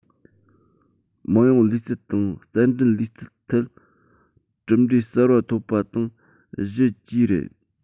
དམངས ཡོངས ལུས སྦྱོང དང རྩལ འགྲན ལུས རྩལ ཐད གྲུབ འབྲས གསར པ ཐོབ པ དང བཞི བཅས རེད